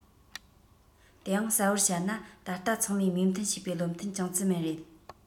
དེའང གསལ པོ བཤད ན ད ལྟ ཚང མས མོས མཐུན བྱས པའི བློ ཐུན ཅང ཙེ མིང རེད